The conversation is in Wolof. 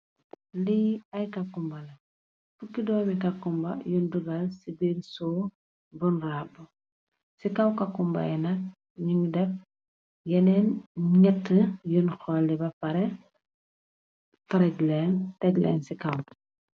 Lii ay kakkum bala fuku doomi kakkumba yun dugalal ci biir sow bun rab. ci kaw-kakkumba yi nag ñu ngi def yeneen ñgett yun holli ba pareh farech leen teg leen ci kaw.